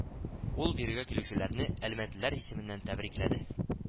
Ул бирегә килүчеләрне әлмәтлеләр исеменнән тәбрикләде